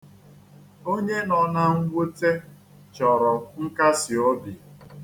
Onye nọ na nnwute chọrọ nkasi obi.